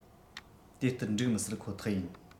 དེ ལྟར འགྲིག མི སྲིད ཁོ ཐག ཡིན